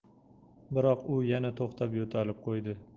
biroq u yana to'xtab yo'talib qo'ydi